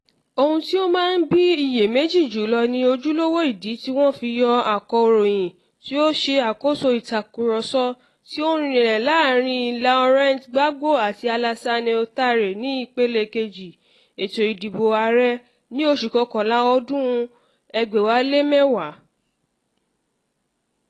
Ohun tí ó máa ń bí iyèméjì jùlọ ni ojúlówó ìdí tí wọ́n fi yọ akọ̀ròyìn tí ó ṣe àkóso ìtakùrọsọ tí ó rìnlẹ̀ láàárín Laurent Gbagbo àti Alassane Ouattara ni ìpele kejì ètò ìdìbò ààrẹ ní oṣù kọkànlá ọdún 2010.